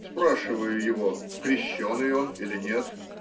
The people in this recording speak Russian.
Спрашиваю его: крещеный он или нет?